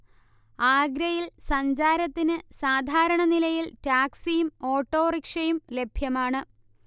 ആഗ്രയിൽ സഞ്ചാരത്തിന് സാധാരണ നിലയിൽ ടാക്സിയും ഓട്ടോറിക്ഷയും ലഭ്യമാണ്